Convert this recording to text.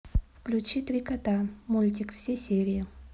включи три кота мультик все серии